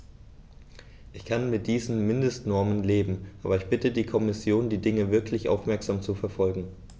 Ich kann mit diesen Mindestnormen leben, aber ich bitte die Kommission, die Dinge wirklich aufmerksam zu verfolgen.